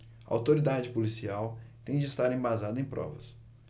a autoridade policial tem de estar embasada em provas